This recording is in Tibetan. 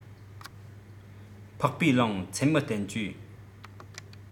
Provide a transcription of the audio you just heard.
འཕགས པའི ལུང ཚད མའི བསྟན བཅོས